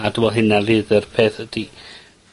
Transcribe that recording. A dwi me'wl hynna fydd yr peth ydi